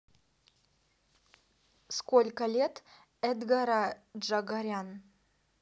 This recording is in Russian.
сколько лет эдгара джагарян